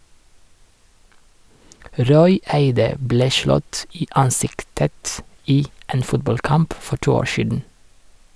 Roy Eide ble slått i ansiktet i en fotballkamp for to år siden.